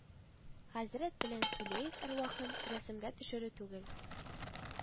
Хәзрәт белән тулеев әрвахын рәсемгә төшерү түгел